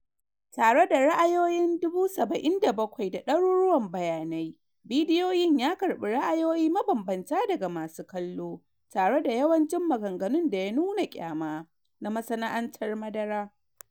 Tare da ra'ayoyin 77,000 da daruruwan bayanai, bidiyon ya karbi ra’ayoyi mabanbanta daga masu kallo, tare da yawancin maganganun da ya nuna "ƙyama" na masana'antar madara.